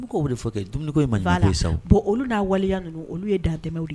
U bi ko de fɔ kɛ . Dumuni ko ye maɲuman ko ye sa wo. voila bon olu na waleya nunun olu ye dantɛmɛ ye.